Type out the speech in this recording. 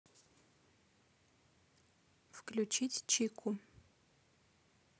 включить чику